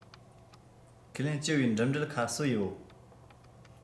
ཁས ལེན སྤྱི པའི འགྲིམ འགྲུལ ཁ གསབ ཡོད